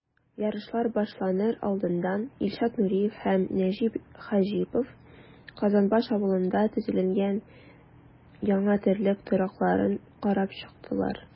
Ярышлар башланыр алдыннан Илшат Нуриев һәм Нәҗип Хаҗипов Казанбаш авылында төзелгән яңа терлек торакларын карап чыктылар.